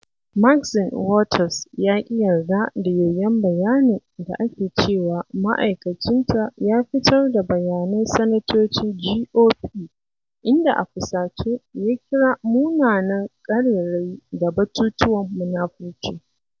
Maxine Waters ya ƙi yarda da yoyon bayanin da ake cewa ma'aikacinta ya fitar da bayanan sanatocin GOP, inda a fusace ya kira 'munanan ƙarerayi' da 'batutuwan munafurci'